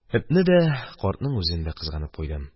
Этне дә, картның үзен дә кызганып куйдым.